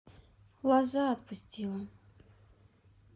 лоза отпустила